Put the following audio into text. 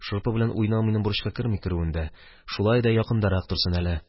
Шырпы белән уйнау минем бурычка керми керүен дә, шулай да якындарак торсын әле.